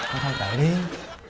anh thông